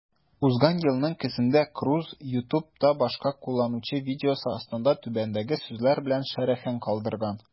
Узган елның көзендә Круз YouTube'та башка кулланучы видеосы астында түбәндәге сүзләр белән шәрехен калдырган: